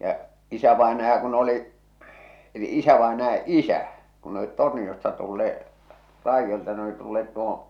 ja isävainaja kun oli eli isävainaja isä kun ne olivat Torniosta tulleet raidolta ne oli tulleet tuohon